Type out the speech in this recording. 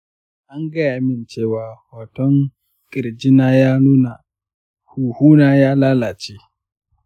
an gaya min cewa hoton ƙirjina ya nuna huhuna ya lalace.